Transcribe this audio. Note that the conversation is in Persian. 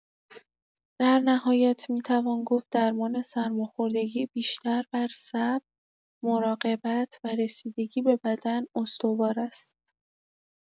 در نهایت می‌توان گفت درمان سرماخوردگی بیشتر بر صبر، مراقبت و رسیدگی به بدن استوار است.